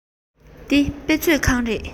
འདི དཔེ མཛོད ཁང རེད